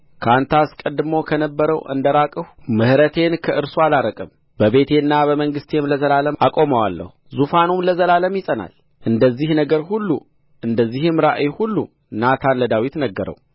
ከአንተ አስቀድሞ ከነበረው እንዳራቅሁ ምሕረቴን ከእርሱ አላርቅም በቤቴና በመንግሥቴም ለዘላለም አቆመዋለሁ ዙፋኑም ለዘላለም ይጸናል እንደዚህ ነገር ሁሉ እንደዚህም ራእይ ሁሉ ናታን ለዳዊት ነገረው